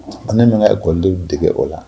A ne min ka gnenw dege o la